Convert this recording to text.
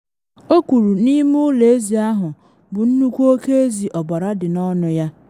O kwuru n’ime ụlọ ezi ahụ bụ nnukwu oke ezi ọbara dị n’ọnụ ya.